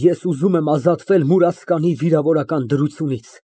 Ես ուզում եմ ազատվել մուրացկանի վիրավորական դրությունից։